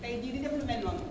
tey jii di def lu mel noonu